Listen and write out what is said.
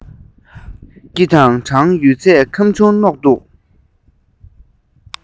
སྐེ དང བྲང ཡོད ཚད ཁམ ཆུས ནོག འདུག